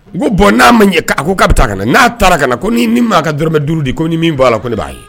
N ko bon n'a ma ɲɛn, a ko k'a bɛ taa ka na n'a tala ka na ko ni ni maa ka dɔrɔmɛ 5 de ye ko ni min b'a la ko ne b'a ye.